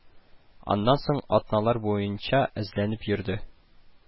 Аннан соң атналар буенча эзләнеп йөрде